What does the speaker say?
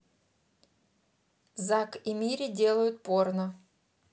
зак и мири делают порно